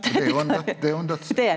det er jo ein det er jo ein dødssynd.